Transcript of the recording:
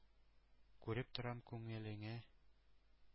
— күреп торам, күңелеңә